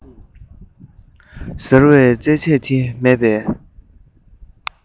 ཟེར བའི རྩེད ཆས དེ མེད པས